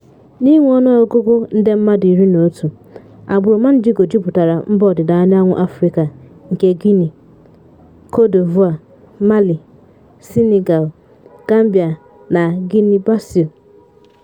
N'inwe ọnụọgụgụ nde mmadụ 11, agbụrụ Mandingo jupụtara Mba Ọdịdaanyanwụ Afrịka nke Guinea, Cote d'Ivoire, Mali, Senegal, Gambia na Guinea-Bissau.